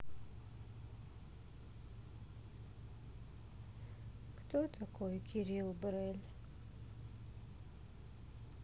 кто такой кирилл брель